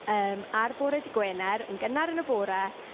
yym, ar bore dydd Gwener, yn gynnar yn y bore.